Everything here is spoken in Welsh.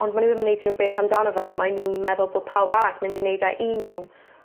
Ond mae n'w ddim yn neud unrhyw beth amdano fe mae nw'n meddwl bo' pawb arall mynd i neud e i n'w.